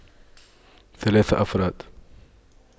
ثلاثة افراد